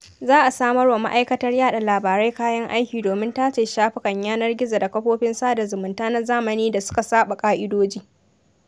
Za a samar wa Ma'aikatar Yaɗa Labarai kayan aiki domin tace shafukan yanar gizo da kafofin sada zumunta na zamani da suka saɓa ƙa'idoji.